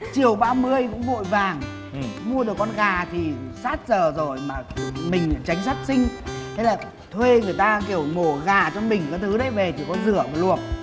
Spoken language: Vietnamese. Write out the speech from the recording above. chiều ba mươi cũng vội vàng mua được con gà thì sát giờ dồi mà mình tránh sát sinh thế là thuê người ta kiểu mổ gà cho mình các thứ đấy về chỉ có dửa luộc